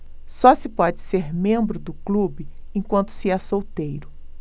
só se pode ser membro do clube enquanto se é solteiro